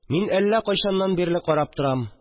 Мин әллә кайчаннан бирле карап торам